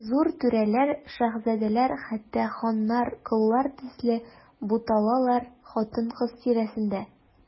Зур түрәләр, шаһзадәләр, хәтта ханнар, коллар төсле буталалар хатын-кызлар тирәсендә.